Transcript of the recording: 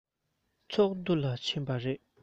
ཚོགས འདུ ལ ཕྱིན པ རེད